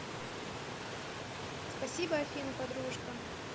спасибо афина подружка